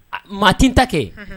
Ma t ta kɛ